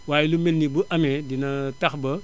waaye lu mel nii bu amee dina tax ba